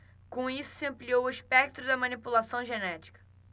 com isso se ampliou o espectro da manipulação genética